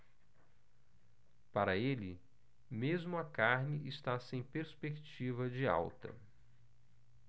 para ele mesmo a carne está sem perspectiva de alta